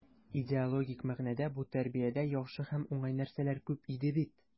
Идеологик мәгънәдә бу тәрбиядә яхшы һәм уңай нәрсәләр күп иде бит.